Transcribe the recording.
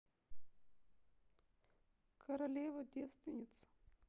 королева девственниц